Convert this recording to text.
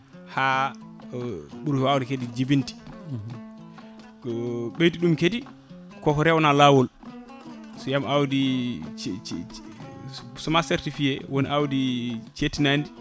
ha ɓuuri wade kadi jibinde ko ɓeydi ɗum kadi koko rewna lawol so wima awdi cee semence certifié woni awdi awdi cettinadi